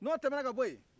n'o temɛ na ka bɔ ye